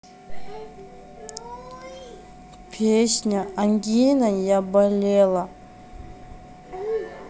песня ангиной я болела